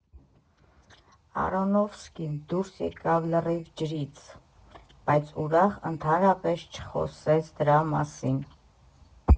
Արոնոֆսկին դուրս եկավ լրիվ ջուր, բայց ուրախ, ընդհանրապես չխոսեց դրա մասին։